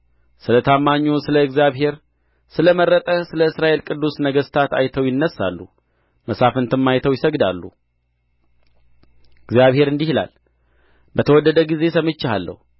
ስለ ታማኙ ስለ እግዚአብሔር ስለ መረጠህም ስለ እስራኤል ቅዱስ ነገሥታት አይተው ይነሣሉ መሳፍንትም አይተው ይሰግዳሉ እግዚአብሔር እንዲህ ይላል በተወደደ ጊዜ ሰምቼሃለሁ